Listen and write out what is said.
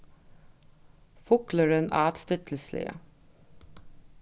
fuglurin át stillisliga